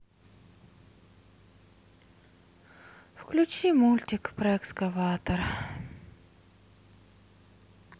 включи мультик про экскаватор